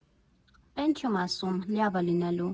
֊ Պեն չըմ ասում, լյավա ինելու։